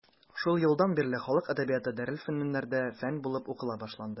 Шул елдан бирле халык әдәбияты дарелфөнүннәрдә фән булып укыла башланды.